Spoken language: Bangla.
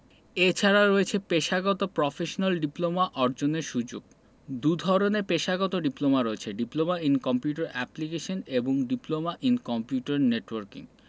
এছাড়া রয়েছে পেশাগত প্রফেশনাল ডিপ্লোমা অর্জনের সুযুগ দুধরনের পেশাগত ডিপ্লোমা রয়েছে ডিপ্লোমা ইন কম্পিউটার অ্যাপ্লিকেশন এবং ডিপ্লোমা ইন কম্পিউটার নেটওয়ার্কিং